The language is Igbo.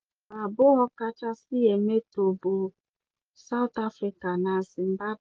Mba abụọ kachasi emetọọ bụ South Africa na Zimbabwe.